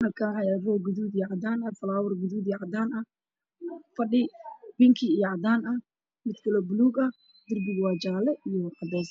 Halkaan waxaa yaalo roog gaduud iyo cadaan ah, falaawar gaduud iyo cadaan ah, fadhi bingi iyo cadaan, mid kaloo buluug ah, darbiga waa jaale iyo cadeys,